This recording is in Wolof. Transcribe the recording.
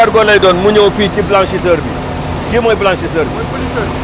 voilà riz cargot lay doon mu ñëw fii ci blanchisseur bi kii mooy blanchisseur bi